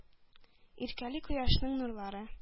Иркәли кояшның нурлары.